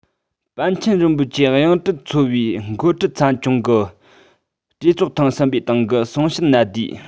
པཎ ཆེན རིན པོ ཆེའི ཡང སྤྲུལ འཚོལ བའི འགོ ཁྲིད ཚན ཆུང གི གྲོས ཚོགས ཐེངས གསུམ པའི སྟེང གི གསུང བཤད གནད བསྡུས